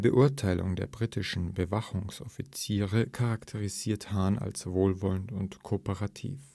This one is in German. Beurteilung der britischen Bewachungsoffiziere charakterisiert Hahn als wohlwollend und kooperativ